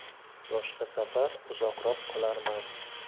boshqa safar uzoqroq qolarman